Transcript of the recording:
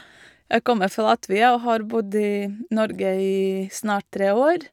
Jeg kommer fra Latvia og har bodd i Norge i snart tre år.